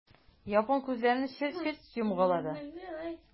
Япон күзләрен челт-челт йомгалады.